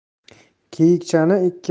qiyiqchani ikki barmog'i